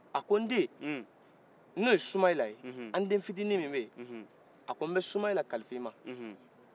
a ko n den n'o ye sumahila ye an den fitinin min beye a ko n bɛ sumahila kalif'i ma